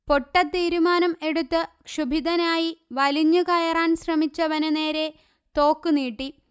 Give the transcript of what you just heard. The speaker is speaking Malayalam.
പൊട്ടത്തീരുമാനം എടുത്ത് ക്ഷുഭിതനായി വലിഞ്ഞുകയറാൻ ശ്രമിച്ചവന് നേരെ തോക്കു നീട്ടി